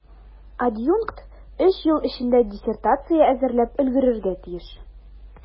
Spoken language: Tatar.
Адъюнкт өч ел эчендә диссертация әзерләп өлгерергә тиеш.